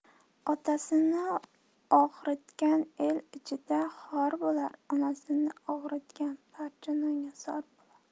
otasini og'ritgan el ichida xor bo'lar onasini og'ritgan parcha nonga zor bo'lar